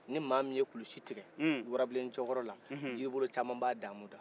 ni mɔgɔ min kulisi tigɛ warabilen cɛkɔrɔ la yiribolo cama b'a damu ta